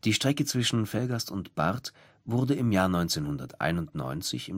Strecke zwischen Velgast und Barth wurde im Jahr 1991